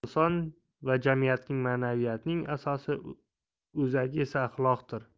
inson va jamiyat ma'naviyatning asosi o'zagi esa axloqdir